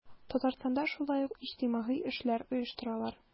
Татарстанда шулай ук иҗтимагый эшләр оештыралар.